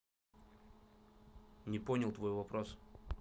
не понял твой вопрос